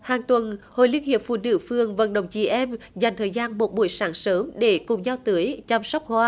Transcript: hàng tuần hội liên hiệp phụ nữ phường vận động chị em dành thời gian một buổi sáng sớm để cùng nhau tưới chăm sóc hoa